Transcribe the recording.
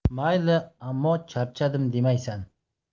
mayli ammo charchadim demaysan